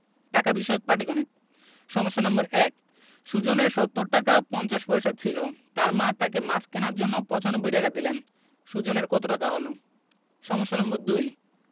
টাকা বিষয়ক পাটিগনিতঃ সমস্যা নম্বর ১ সুজনের ৭০ টাকা ৫০ পয়সা ছিল তার মা তাকে মাছ কেনার জন্য ৯৫ টাকা দিলেন সুজনের কত টাকা হলো সমস্যা নম্বর ২